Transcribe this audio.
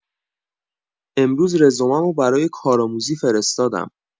امروز رزومه‌مو برای کارآموزی فرستادم